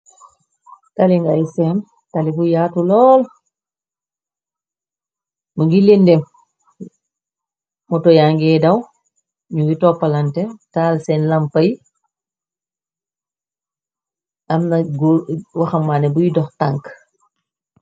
Tali ngay seen, tali bu yaatu lool, mi ngi lendem, moto yangee daw, ñu ngi toppalante taal seen lampa yi, amna waxamane buy dox tank.